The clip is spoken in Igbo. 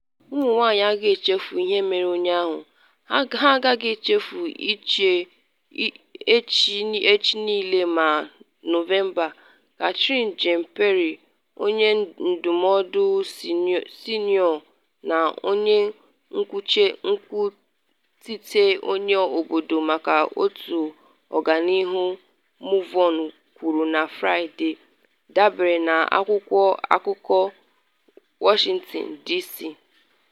“Ụmụ-nwanyị agaghị echefu ihe mere ụnyahụ - ha agaghị echefu echi niile ma Nọvemba, “ Karine Jean-Pierre, onye ndụmọdụ senịọ na onye nkwuchite okwu obodo maka otu ọganihu MoveOn kwuru na Fraịde, dabere na akwụkwọ akụkọ Washington, D.C.